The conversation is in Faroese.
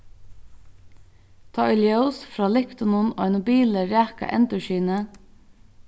tá ið ljós frá lyktunum á einum bili raka endurskinið